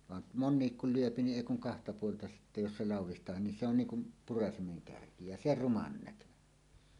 vaan monikin kun lyö niin ei kun kahta puolta sitten jos se laudistaakin niin se on niin kuin purasimen kärki ja se ruman näköinen